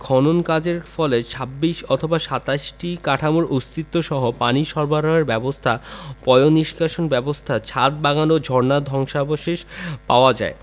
খনন কাজের ফলে ২৬ অথবা ২৭টি কাঠামোর অস্তিত্বসহ পানি সরবরাহের ব্যবস্থা পয়োনিষ্কাশন ব্যবস্থা ছাদ বাগান ও ঝর্ণার ধ্বংসাবশেষ পাওয়া যায়